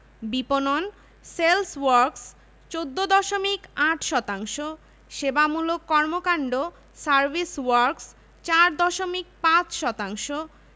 বিপণন sales works ১৪দশমিক ৮ শতাংশ সেবামূলক কর্মকান্ড সার্ভিস ওয়ার্ক্স ৪ দশমিক ৫ শতাংশ